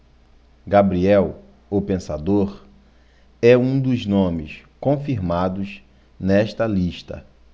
gabriel o pensador é um dos nomes confirmados nesta lista